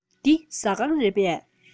འདི ཟ ཁང རེད པས